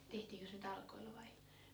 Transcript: tehtiinkös ne talkoilla vai